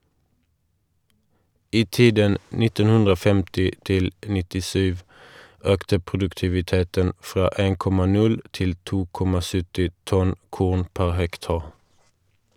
I tiden 1950-97 økte produktiviteten fra 1,0 til 2,70 tonn korn pr. hektar.